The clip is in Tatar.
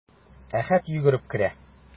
Әхәт йөгереп керә.